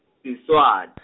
Siswat- .